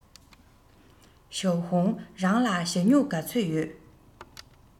ཞའོ ཧུང རང ལ ཞྭ སྨྱུག ག ཚོད ཡོད